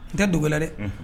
N tɛ dogo la dɛ